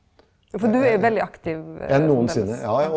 ja for du er veldig aktiv framleis.